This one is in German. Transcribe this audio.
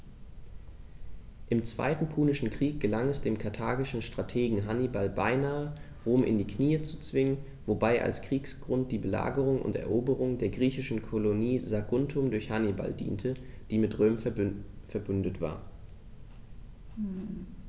Im Zweiten Punischen Krieg gelang es dem karthagischen Strategen Hannibal beinahe, Rom in die Knie zu zwingen, wobei als Kriegsgrund die Belagerung und Eroberung der griechischen Kolonie Saguntum durch Hannibal diente, die mit Rom „verbündet“ war.